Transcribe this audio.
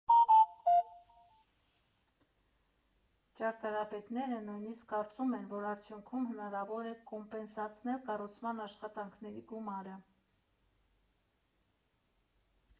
Ճարտարապետները նույնիսկ կարծում են, որ արդյունքում հնարավոր է կոմպենսացնել կառուցման աշխատանքների գումարը.